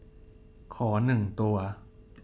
ขอหนึ่งตัว